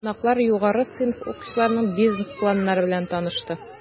Кунаклар югары сыйныф укучыларының бизнес планнары белән танышты.